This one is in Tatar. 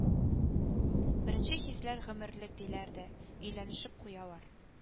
Беренче хисләр гомерлек диләр дә, өйләнешеп куялар